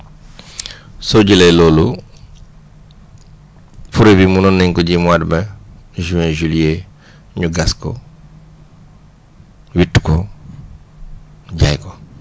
soo jëlee loolu fure bi munoon nañ ko ji mois de mai juin juillet ñu gas ko witti ko jaay ko